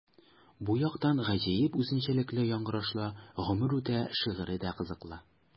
Бу яктан гаҗәеп үзенчәлекле яңгырашлы “Гомер үтә” шигыре дә кызыклы.